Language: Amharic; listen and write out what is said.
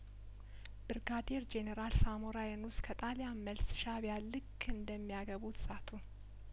ብርጋዴር ጄኔራል ሳሞራ የኑስ ከጣሊያን መልስ ሻእቢያን ልክ እንደሚያገቡት ዛቱ